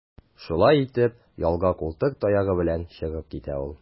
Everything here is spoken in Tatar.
Шулай итеп, ялга култык таягы белән чыгып китә ул.